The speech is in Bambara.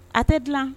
A tɛ dilan